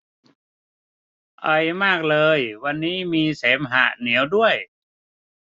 ไอมากเลยวันนี้มีเสมหะเหนียวด้วย